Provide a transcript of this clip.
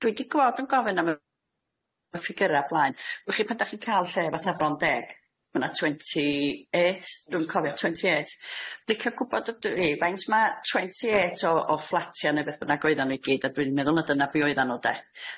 Dwi di gweld yn gofyn am y y ffigyra o blaen wch chi pan dach chi'n ca'l lle fatha Bron Deg ma' na twenty eight dwi'n cofio twenty eight licio gwbod ydw i faint ma' twenty eight o o fflatia ne' beth bynnag oeddan n'w i gyd a dwi'n meddwl ma' dyna be' oeddan n'w de?